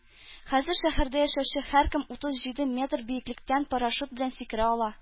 Хәзер шәһәрдә яшәүче һәркем утыз җиде метр биеклектән парашют белән сикерә ала